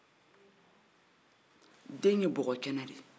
den ye bɔgɔ kɛnɛ de ye